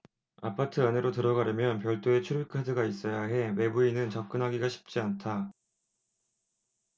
아파트 안으로 들어가려면 별도의 출입카드가 있어야 해 외부인은 접근하기가 쉽지 않다